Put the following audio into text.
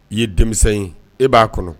I ye denmisɛn ye e b'a kɔnɔ